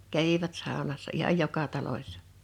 kävivät saunassa ihan joka talossa